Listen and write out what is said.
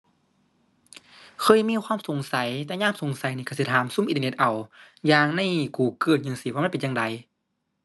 เคยมีความสงสัย แต่ยามสงสัยนี่ก็สิถามซุมอินเทอร์เน็ตเอา อย่างใน Google จั่งซี้ ว่ามันเป็นจั่งใด